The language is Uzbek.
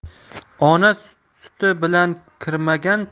ona suti bilan kirmagan